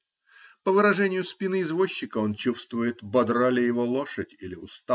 по выражению спины извозчика он чувствует, бодра ли его лошадь или устала